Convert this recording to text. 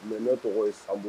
Mɛ ne tɔgɔ ye san